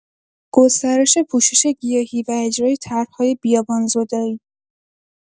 گسترش پوشش گیاهی و اجرای طرح‌های بیابان‌زدایی